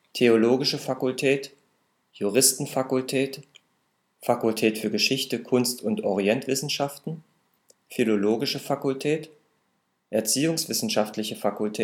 Theologische Fakultät Juristenfakultät Fakultät für Geschichte, Kunst - und Orientwissenschaften Philologische Fakultät Erziehungswissenschaftliche Fakultät